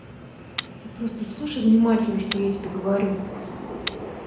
ты просто слушай внимательно что я тебе говорю